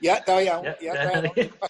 Ia da iawn. Ia. Ia da iawn.